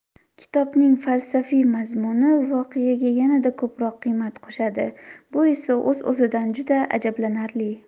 kitobning falsafiy mazmuni voqeaga yanada ko'proq qiymat qo'shadi bu esa o'z o'zidan juda ajablanarli